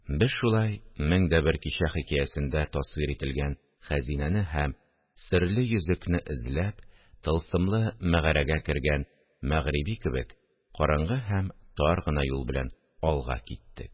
Без шулай, «Мең дә бер кичә» хикәясендә тасвир ителгән «хәзинә»не һәм «серле йөзек»не эзләп «тылсымлы мәгарә»гә кергән Мәгъриби кебек, караңгы һәм тар гына юл белән алга киттек